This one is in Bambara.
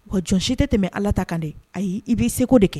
Wa jɔn si tɛ tɛmɛ bɛ ala ta kan de ayi i b'i segu de kɛ